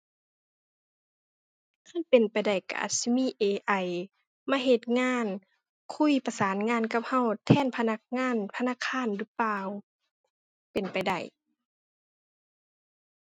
คันเป็นไปได้ก็อาจสิมี AI มาเฮ็ดงาน คุยประสานงานกับก็ แทนพนักงานธนาคารหรือเปล่า เป็นไปได้